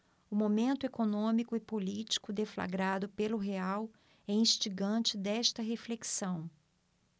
o momento econômico e político deflagrado pelo real é instigante desta reflexão